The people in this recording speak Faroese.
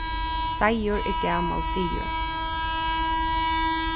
seigur er gamal siður